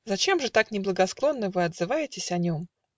- Зачем же так неблагосклонно Вы отзываетесь о нем?